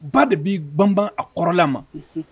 Ba de bi banba a kɔrɔla ma, unhun.